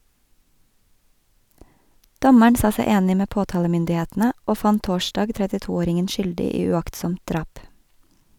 Dommeren sa seg enig med påtalemyndighetene, og fant torsdag 32-åringen skyldig i uaktsomt drap.